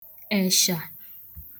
èshà